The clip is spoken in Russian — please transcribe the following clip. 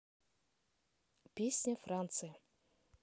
песня франция